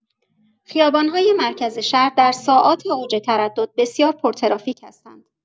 خیابان‌های مرکز شهر در ساعات اوج تردد بسیار پرترافیک هستند.